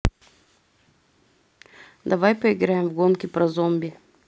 давай поиграем в гонки про зомби